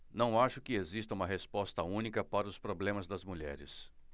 não acho que exista uma resposta única para os problemas das mulheres